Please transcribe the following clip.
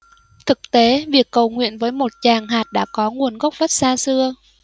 thực tế việc cầu nguyện với một tràng hạt đã có nguồn gốc rất xa xưa